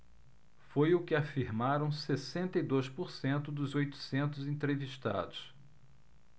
foi o que afirmaram sessenta e dois por cento dos oitocentos entrevistados